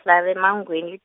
ngihlala eMangweni.